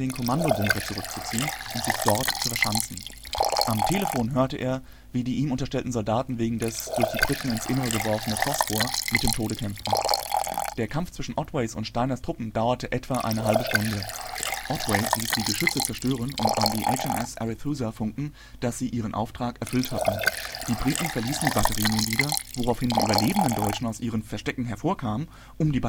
Kommandobunker zurückzuziehen und sich dort zu verschanzen. Am Telefon hörte er wie die ihm unterstellten Soldaten wegen des, durch die Briten ins Innere geworfene, Phosphor mit dem Tode kämpften. Der Kampf zwischen Otways und Steiners Truppen dauerte eine etwa halbe Stunde. Otway ließ die Geschütze zerstören und an die HMS Arethusa funken, dass sie ihren Auftrag erfüllt hatten. Die Briten verließen die Batterie nun wieder, woraufhin die überlebenden Deutschen aus ihren Verstecken hervorkamen, um die